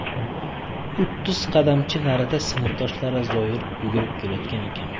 uttiz qadamcha narida sinfdoshlari zoir yugurib kelayotgan ekan